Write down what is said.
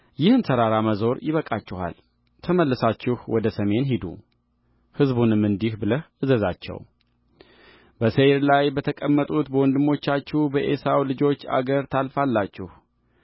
ይህን ተራራ መዞር ይበቃችኋል ተመልሳችሁ ወደ ሰሜን ሂዱሕዝቡንም እንዲህ ብለህ እዘዛቸው በሴይር ላይ በተቀመጡት በወንድሞቻችሁ በዔሳው ልጆች አገር ታልፋላችሁ